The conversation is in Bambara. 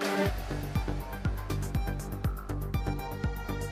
Sanunɛ